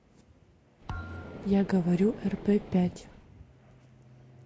я говорю рп пять